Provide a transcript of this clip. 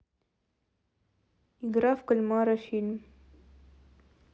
игра в кальмара фильм